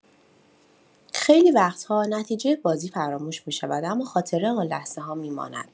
خیلی وقت‌ها نتیجه بازی فراموش می‌شود، اما خاطره آن لحظه‌ها می‌ماند.